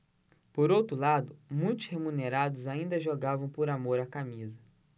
por outro lado muitos remunerados ainda jogavam por amor à camisa